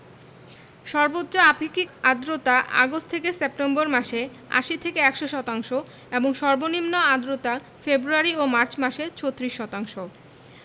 সর্বোচ্চ আপেক্ষিক আর্দ্রতা আগস্ট সেপ্টেম্বর মাসে ৮০ থেকে ১০০ শতাংশ এবং সর্বনিম্ন আর্দ্রতা ফেব্রুয়ারি ও মার্চ মাসে ৩৬ শতাংশ